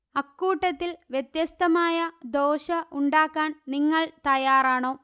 അക്കൂട്ടത്തിൽ വ്യത്യസ്തമായ ദോശ ഉണ്ടാക്കാൻനിങ്ങൾ തയാറാണൊ